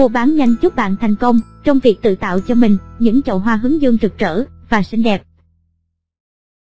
muabannhanh chúc bạn thành công trong việc tự tạo cho mình những chậu hoa hướng dương rực rỡ và xinh đẹp